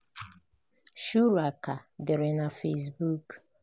Shuvra Kar dere na Facebook: